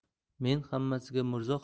men hammasiga mirzo